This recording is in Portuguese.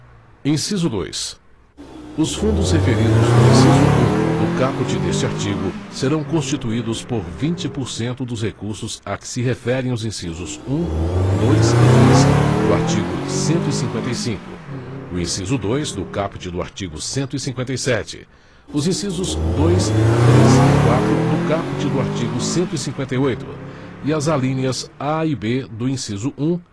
inciso dois os fundos referidos no inciso um do caput deste artigo serão constituídos por vinte por cento dos recursos a que se referem os incisos um dois e três do artigo cento e cinquenta e cinco o inciso dois do caput do artigo cento e cinquenta e sete os incisos dois três e quatro do caput do artigo cento e cinquenta e oito e as alíneas a e b do inciso um